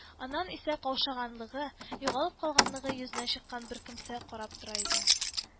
Аннан исә каушаганлыгы, югалып калганлыгы йөзенә чыккан бер кемсә карап тора иде